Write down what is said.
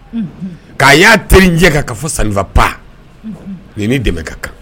K'a y'a terijɛ kan ka fɔ sanfa pa nin ni dɛmɛ ka kan